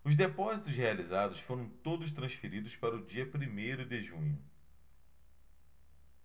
os depósitos realizados foram todos transferidos para o dia primeiro de junho